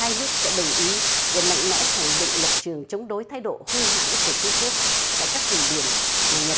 hai nước sẽ đồng ý để mạnh mẽ khẳng định lập trường chống đối thái độ hung hãn của trung quốc tại các vùng biển mà nhật